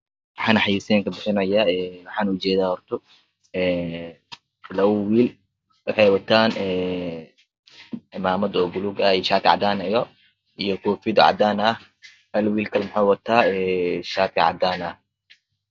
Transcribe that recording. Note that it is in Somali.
Waxan xayeysiin ka bixinaya ee waxaa ujeeda horta ee labo wiil waxay wataan ee cimaamad oo buluug ah iyo shaati cadaan ah iyo koofiyad cadaan ah hal wiilka kale wuxuu wataa een shaati cadaan ah